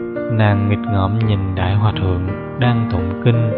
nàng nghịch ngợm nhìn đại hòa thượng đang tụng kinh